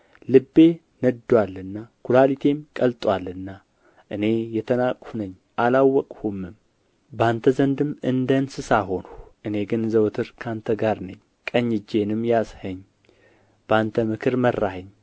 ልቤ ነድዶአልና ኵላሊቴም ቀልጦአልና እኔ የተናቅሁ ነኝ አላውቅሁምም በአንተ ዘንድም እንደ እንስሳ ሆንሁ እኔ ግን ዘወትር ከአንተ ጋር ነኝ ቀኝ እጄንም ያዝኸኝ በአንተ ምክር መራኸኝ